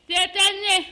Tɛ tɛ n ɲɛ